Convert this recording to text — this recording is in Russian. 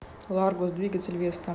ларгус двигатель веста